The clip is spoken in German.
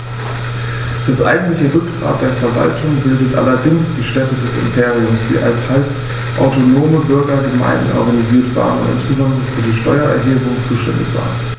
Das eigentliche Rückgrat der Verwaltung bildeten allerdings die Städte des Imperiums, die als halbautonome Bürgergemeinden organisiert waren und insbesondere für die Steuererhebung zuständig waren.